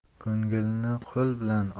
ko'ngilni qo'l bilan